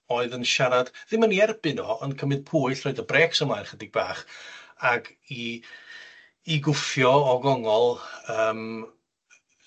oedd yn siarad ddim yn 'i erbyn o, ond cymryd pwyll, rhoid y brêcs ymlaen ychydig bach ag i i gwffio o gongol yym